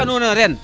ke ando na ren